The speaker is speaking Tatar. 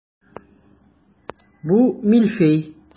Бу мильфей.